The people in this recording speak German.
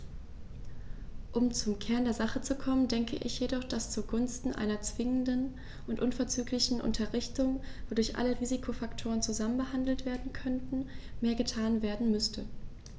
Um zum Kern der Sache zu kommen, denke ich jedoch, dass zugunsten einer zwingenden und unverzüglichen Unterrichtung, wodurch alle Risikofaktoren zusammen behandelt werden könnten, mehr getan werden müsste.